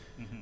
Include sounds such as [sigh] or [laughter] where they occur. [hesitation] [hesitation]